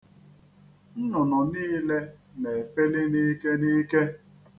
Nnụnụ niile na-efeli n'ike n'ike.